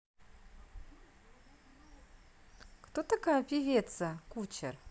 кто такая певица кучер